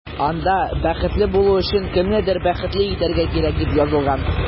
Анда “Бәхетле булу өчен кемнедер бәхетле итәргә кирәк”, дип язылган.